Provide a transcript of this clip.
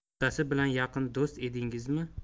otasi bilan yaqin do'st edingizmi